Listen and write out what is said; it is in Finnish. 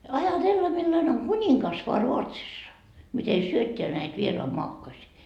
ajatella millainen on kuningas vain Ruotsissa miten syöttää näitä vieraanmaakkoisia